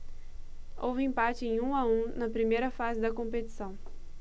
houve empate em um a um na primeira fase da competição